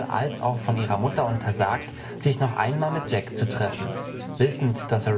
als auch von ihrer Mutter untersagt, sich noch einmal mit Jack zu treffen. Wissend, dass